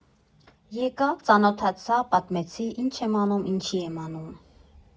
Եկա, ծանոթացա, պատմեցի՝ ինչ եմ անում, ինչի եմ անում։